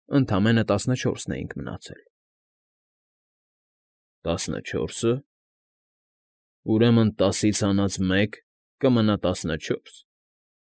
Ընդամենը տասնչորսն էինք մնացել»։ ֊ Տասնչո՞րսը։ ուրեմն տասից հանած մեկ կմնա տասնչո՞րս։